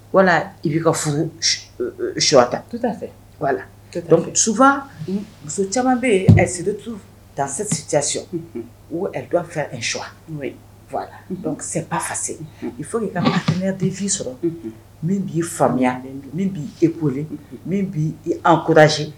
Wala i'i ka furu suwata sufa muso caman bɛ yensi ta sesiy o fɛ ka suwa fa i fo' ka maya denfin sɔrɔ min b'i faamuyaya min b'i e ko min b an kose